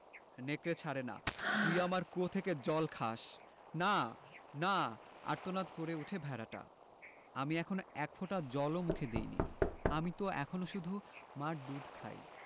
নেকড়ে ছাড়ে না তুই আমার কুয়ো থেকে জল খাস না না আর্তনাদ করে ওঠে ভেড়াটা আমি এখনো এক ফোঁটা জল ও মুখে দিইনি আমি ত এখনো শুধু মার দুধ খাই